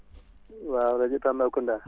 waaw rajo Tambacounda